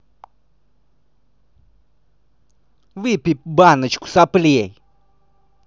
выпей баночку соплей